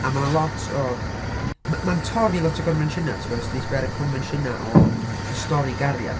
A mae 'na lot o... M- mae'n torri lot o gonfensiynau, ti'n gwybod os dan ni'n sbio ar gonfensiynau o stori gariad.